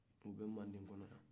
obɛ manden kɔnɔ yan